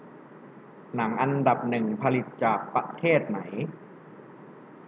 หนังอันดับหนึ่งผลิตจากประเทศไหน